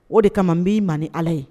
O de kama n b'i man ni ala ye